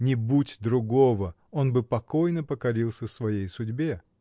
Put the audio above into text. Не будь другого, он бы покойно покорился своей судьбе.